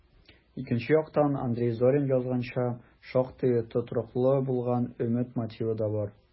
Икенче яктан, Андрей Зорин язганча, шактый тотрыклы булган өмет мотивы да бар: